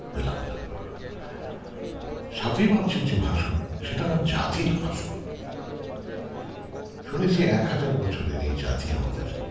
পেলাম না ৭ ই মার্চের যে ভাষণ সেটা আমার জাতির ভাষণ শুনেছি এক হাজার বছরের এই জাতি আমাদের